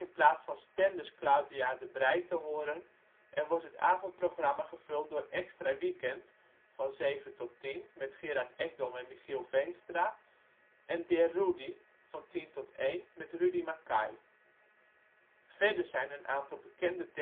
plaats van Stenders Claudia de Breij te horen en wordt het avondprogramma gevuld door Ekstra weekend (19:00-22:00) met Gerard Ekdom en Michiel Veenstra en Der Rudy! (22:00-1:00) met Rudy Mackay. Verder zijn een aantal bekende